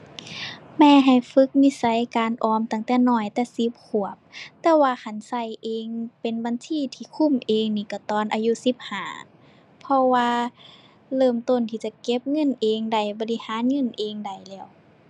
แม่ให้ฝึกนิสัยการออมตั้งแต่น้อยแต่สิบขวบ แต่ว่าคันใช้เองเป็นบัญชีที่คุมเองนี่ใช้ตอนอายุสิบห้า เพราะว่าเริ่มต้นที่จะเก็บเงินเองได้ บริหารเงินเองได้แล้ว